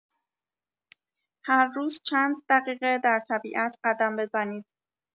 هر روز چند دقیقه در طبیعت قدم بزنید.